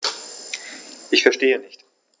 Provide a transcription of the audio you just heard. Ich verstehe nicht.